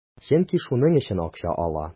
Чөнки шуның өчен акча ала.